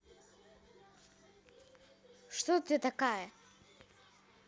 что ты такая